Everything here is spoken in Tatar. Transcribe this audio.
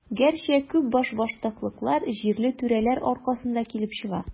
Гәрчә, күп башбаштаклыклар җирле түрәләр аркасында килеп чыга.